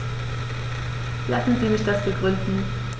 Lassen Sie mich das begründen.